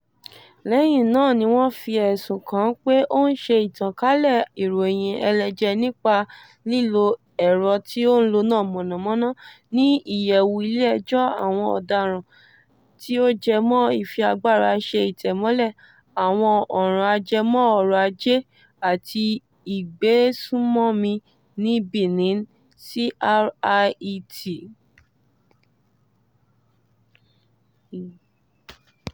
Lẹ́yìn náà ni wọ́n fi ẹ̀sùn kàn án pé "ó ń ṣe ìtànkálẹ̀ ìròyìn ẹlẹ́jẹ̀ nípa lílo ẹ̀rọ tí ó ń lọ́nà mànàmáná" ní Ìyẹ̀wù Ilé Ẹjọ́ Àwọn Ọ̀daràn tí ó jẹmọ́ Ìfiagbáraṣeìtẹ̀mọ́lẹ̀ Àwọn Ọ̀ràn Ajẹmọ́ Ọrọ̀ Ajé àti Ìgbésùnmọ̀mí ní Benin (CRIET).